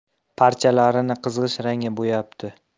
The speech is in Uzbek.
parchalarini qizg'ish rangga bo'yabdi